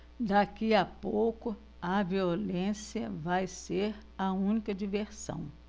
daqui a pouco a violência vai ser a única diversão